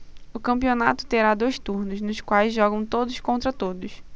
o campeonato terá dois turnos nos quais jogam todos contra todos